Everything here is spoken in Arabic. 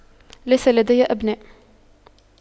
ليس لدي أبناء